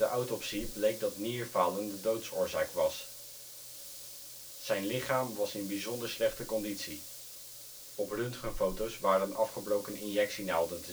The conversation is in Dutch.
autopsie bleek dat nierfalen de doodsoorzaak was. Zijn lichaam was in bijzonder slechte conditie. Op röntgenfoto 's waren afgebroken injectienaalden